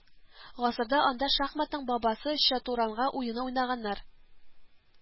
Гасырда анда шахматның бабасы чатуранга уены уйнаганнар